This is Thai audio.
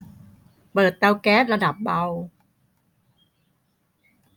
เปิดเตาแก๊สระดับเบา